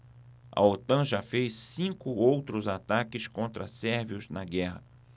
a otan já fez cinco outros ataques contra sérvios na guerra